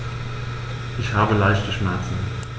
Ich habe leichte Schmerzen.